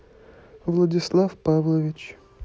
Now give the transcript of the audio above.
владислав павлович